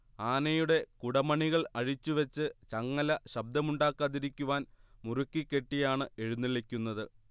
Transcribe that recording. ആനയുടെ കുടമണികൾ അഴിച്ചുവെച്ച് ചങ്ങല ശബ്ദമുണ്ടാക്കാതിരിക്കുവാൻ മുറുക്കി കെട്ടിയാണ് എഴുന്നള്ളിക്കുന്നത്